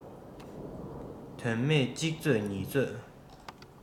དོན མེད གཅིག རྩོད གཉིས རྩོད